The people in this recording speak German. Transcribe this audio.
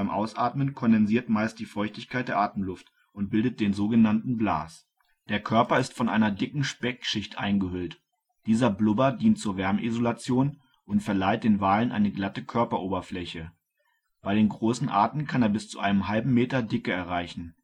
Ausatmen kondensiert meist die Feuchtigkeit der Atemluft und bildet den so genannten Blas. Der Körper ist von einer dicken Speckschicht eingehüllt. Dieser Blubber dient zur Wärmeisolation und verleiht den Walen eine glatte Körperoberfläche. Bei den großen Arten kann er bis zu einem halben Meter Dicke erreichen